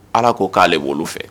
Ala ko k'ale wolo fɛ